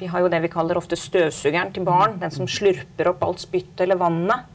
vi har jo det vi kaller ofte støvsugeren til barn den som slurper opp alt spyttet eller vannet,